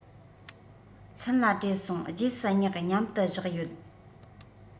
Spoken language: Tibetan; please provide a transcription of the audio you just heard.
ཚུན ལ བྲེལ སོང རྗེས སུ བསྙེགས མཉམ དུ བཞག ཡོད